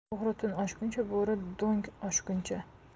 o'g'ri tun oshguncha bo'ri do'ng oshguncha